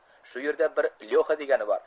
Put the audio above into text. shu yerda bir lyoxa degani bor